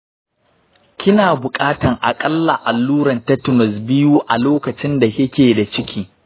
kina buƙatan aƙalla alluran tetanus biyu a lokacin da kike da ciki.